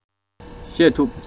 བཤད ཐུབ